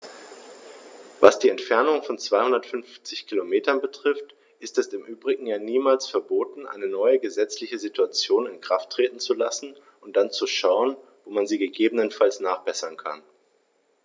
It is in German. Was die Entfernung von 250 Kilometern betrifft, ist es im Übrigen ja niemals verboten, eine neue gesetzliche Situation in Kraft treten zu lassen und dann zu schauen, wo man sie gegebenenfalls nachbessern kann.